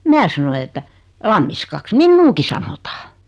minä sanoin että Lammiskaksi minuakin sanotaan